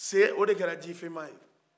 se o de kɛra jifinma ye